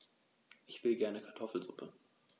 Ich will gerne Kartoffelsuppe.